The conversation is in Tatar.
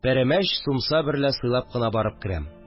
Пәрәмәч, сумса берлә сыйлап кына барып керәм